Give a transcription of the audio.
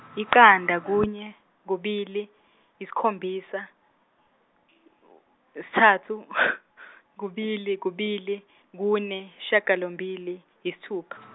yiqanda kunye, kubili, yisikhobisa, sthathu, kubili kubili, kune, yishagalombili, yisthupha.